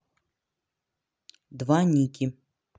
два ники